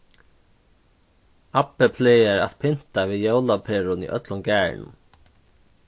abbi plagar at pynta við jólaperum í øllum garðinum